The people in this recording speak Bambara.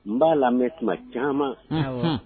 N b'a lamɛnmɛtuma caman